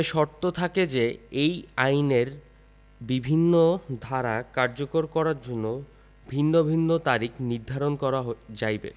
সর্ত থাকে যে এই আইনের বিভিন্ন ধারা কার্যকর করার জন্য ভিন্ন ভিন্ন তারিখ নির্ধারণ করা যাইবে